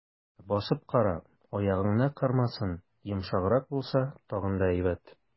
Басып кара, аягыңны кырмасын, йомшаграк булса, тагын да әйбәт.